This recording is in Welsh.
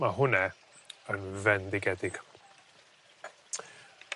Ma' hwnne yn fendigedig.